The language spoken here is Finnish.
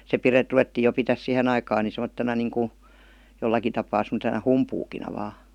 se - ruvettiin jo pitämään siihen aikaan niin semmoisena niin kuin jollakin tapaa semmoisena humpuukina vain